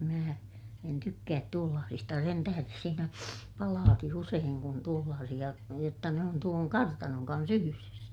minä en tykkää tuollaisista ja sen tähden siinä palaakin usein kun tuollaisia jotta ne on tuon kartanon kanssa yhdessä